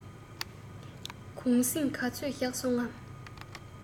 གུང གསེང ག ཚོད བཞག སོང ངམ